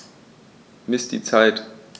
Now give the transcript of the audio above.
Miss die Zeit.